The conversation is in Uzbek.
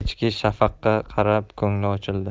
kechki shafaqqa qarab ko'ngli ochildi